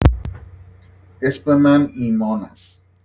اسم من ایمان است.